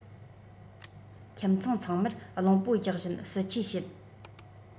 ཁྱིམ ཚང ཚང མར རླུང པོ རྒྱག བཞིན བསིལ ཆས བྱེད